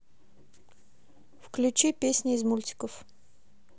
включи песни из мультиков